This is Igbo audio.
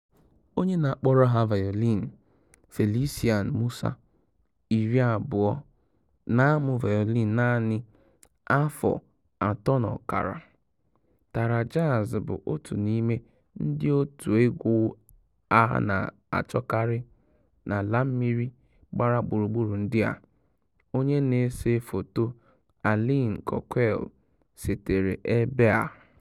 Onye na-akpọrọ ha vayolin, Felician Mussa, 20, na-amụ vayolin naanị afọ 3.5; TaraJazz bụ otu n'ime ndị òtù egwu a na-achọkarị n'ala mmiri gbara gburugburu ndị a, onye na-ese foto Aline Coquelle setere ebe a: